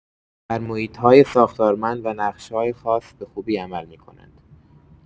در محیط‌های ساختارمند و در نقش‌های خاص به‌خوبی عمل می‌کنند.